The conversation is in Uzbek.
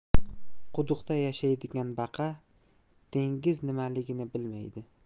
quduqda yashaydigan baqa dengiz nimaligini bilmaydi